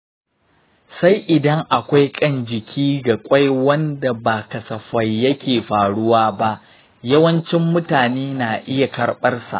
eh, sai idan akwai ƙan-jiki ga ƙwai wanda ba kasafai yake faruwa ba. yawancin mutane na iya karɓar sa.